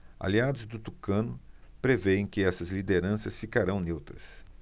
aliados do tucano prevêem que essas lideranças ficarão neutras